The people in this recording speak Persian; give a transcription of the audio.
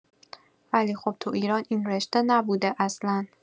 ولی خب تو ایران این رشته نبوده اصلا